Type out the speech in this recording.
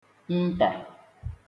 ntà